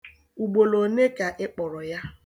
Ugboroole ka ị kpọrọ ya?